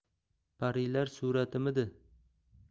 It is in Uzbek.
parilar suratimidi